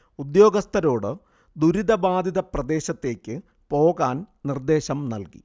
ഉദ്യോഗസഥരോട് ദുരിതബാധിത പ്രദേശത്തേക്ക് പോകാൻ നിർദേശം നൽകി